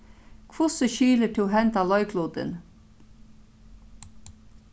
hvussu skilir tú henda leiklutin